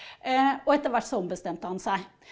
og etter hvert så ombestemte han seg.